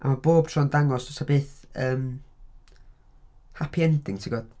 Mae bob tro yn dangos does yna byth, yym happy ending tibod.